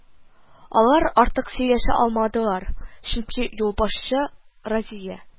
Алар артык сөйләшә алмадылар, чөнки юлбашчы Разия: